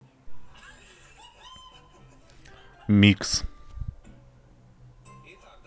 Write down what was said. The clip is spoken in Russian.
микс